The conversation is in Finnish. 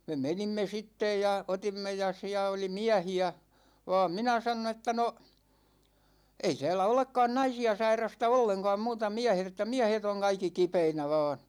me menimme sitten ja otimme ja siellä oli miehiä vaan minä sanoin että no ei täällä olekaan naisia sairasta ollenkaan muuta miehet että miehet on kaikki kipeinä vain